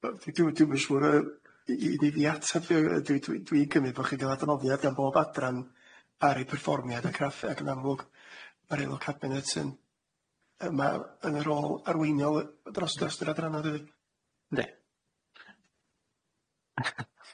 Yy dwi dwi'm yn siŵr yy i i i i i atab yy- yy dwi dwi dwi'n cymyd bo' chi'n ga'l adnoddiad gan bob adran ar eu perfformiad y craffu ag yn amlwg ma'r aelod cabinet yn yy ma' yn y rôl arweiniol drosto ystyr adrannau dydi? Yndi.